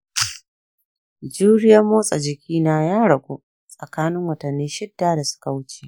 juriyan motsa jiki na ya ragu a tsakanin watanni shida da suka wuce.